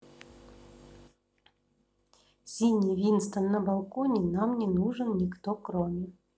синий винстон на балконе нам не нужен никто кроме